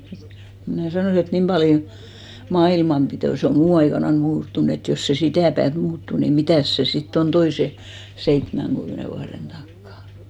että minä sanoin että niin paljon maailmanpito se on minun aikanani muuttunut että jos se sitä päätä muuttuu niin mitäs se sitten on toisen seitsemänkymmenen vuoden takaa